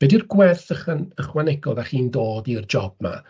Be di'r gwerth ychwa- ychwanegol dach chi'n dod i'r job 'ma?